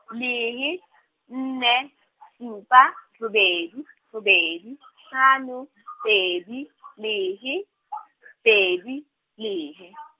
lehe, nne, supa, robedi, robedi, hlano, pedi, lehe, pedi, lehe.